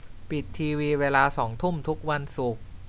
ปิดทีวีเวลาสองทุ่มทุกวันศุกร์